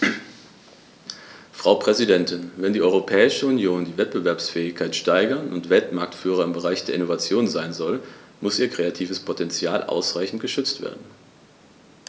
Frau Präsidentin, wenn die Europäische Union die Wettbewerbsfähigkeit steigern und Weltmarktführer im Bereich der Innovation sein soll, muss ihr kreatives Potential ausreichend geschützt werden.